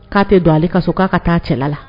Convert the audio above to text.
K'a tɛ don ale ka so k'a ka taa cɛla la